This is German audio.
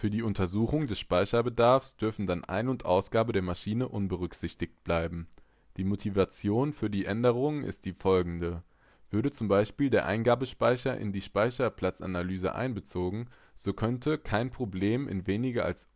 die Untersuchung des Speicherbedarfs dürfen dann Ein - und Ausgabe der Maschine unberücksichtigt bleiben. Die Motivation für diese Änderungen ist die folgende: Würde zum Beispiel der Eingabespeicher in die Speicherplatzanalyse einbezogen, so könnte kein Problem in weniger als